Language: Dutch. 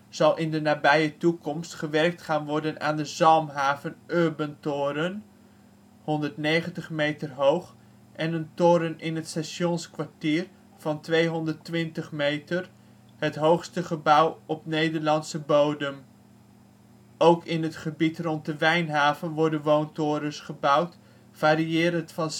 zal in de nabije toekomst gewerkt gaan worden aan de Zalmhaven Urban toren (190 meter) en een toren in het Stationskwartier van 220 meter, het hoogste gebouw op Nederlandse bodem. Ook in het gebied rond de Wijnhaven worden woontorens gebouwd variërend van